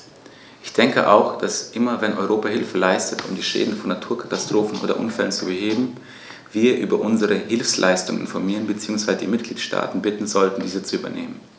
Ich denke auch, dass immer wenn Europa Hilfe leistet, um die Schäden von Naturkatastrophen oder Unfällen zu beheben, wir über unsere Hilfsleistungen informieren bzw. die Mitgliedstaaten bitten sollten, dies zu übernehmen.